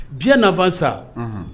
Diɲɛ nafa sa